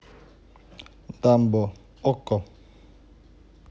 дамбо окко